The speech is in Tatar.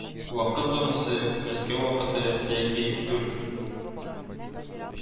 Вакыт зонасы Мәскәү вакыты яки дүрт